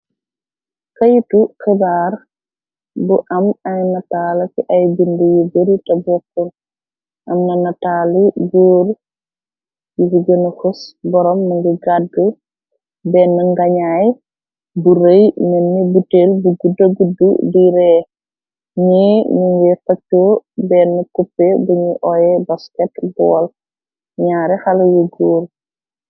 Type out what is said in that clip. Këytu xibaar bu am ay nataala ci ay bind yi bari te bokk am na nataala jóor yici gëna xus boroom mangi gadg benn ngañaay bu rëy nenni buteel bu gudda gudd di ree ñie ningi fëcco benn cuppe buñu oyé basket bool ñaare xala yu góor.